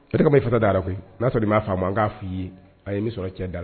Terikɛ m'e fasa da a ra koyi n'a sɔr'i m'a faamu an k'a f'i ye a ye nin sɔrɔ cɛ da la